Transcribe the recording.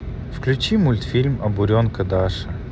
включи мультфильм о буренка даша